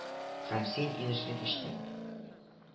– һәм син инешне кичтең